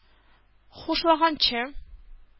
Хушланганчы